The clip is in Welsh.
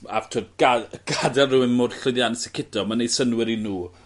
a t'wod gad- gadel mor llwyddiannus â Kittel ma'n neud synnwyr i n'w.